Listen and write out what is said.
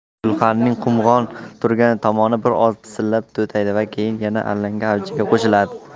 gulxanning qumg'on turgan tomoni bir oz pisillab tutaydi da keyin yana alanga avjiga qo'shiladi